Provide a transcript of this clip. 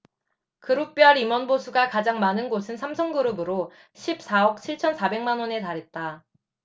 그룹별 임원 보수가 가장 많은 곳은 삼성그룹으로 십 사 억 칠 천 사백 만원에 달했다